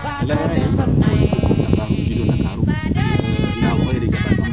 *